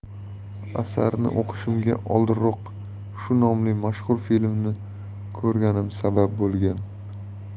asarni o'qishimga oldinroq shu nomli mashhur filmni ko'rganim sabab bo'lgan